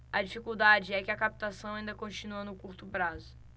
a dificuldade é que a captação ainda continua no curto prazo